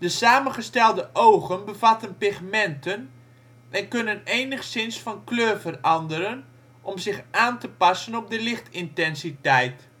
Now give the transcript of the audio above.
samengestelde ogen bevatten pigmenten en kunnen enigszins van kleur veranderen om zich aan te passen op de lichtintensiteit